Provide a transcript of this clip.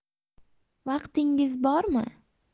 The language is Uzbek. vaqtingiz bormi